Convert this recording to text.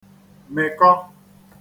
mị̀kọ